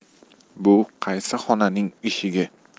bu qaysi xonaning eshigi